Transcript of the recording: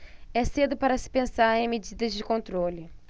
é cedo para se pensar em medidas de controle